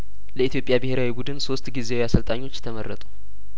ለኢትዮጵያ ብሄራዊ ቡድን ሶስት ጊዜያዊ አሰልጣኞች ተመረጡ